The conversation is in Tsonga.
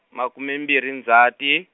makume mbirhi Ndzhati.